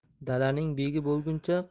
dalaning begi bo'lguncha